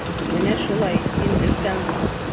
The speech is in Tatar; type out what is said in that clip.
Менә шулай, син өлкән булырсың.